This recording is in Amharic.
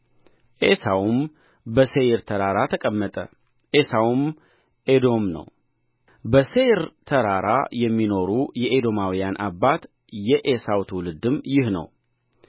ዔሳውም በሴይር ተራራ ተቀመጠ ዔሳውም ኤዶም ነው በሴይር ተራራ የሚኖሩ የኤዶማውያን አባት የዔሳው ትውልድም ይህ ነው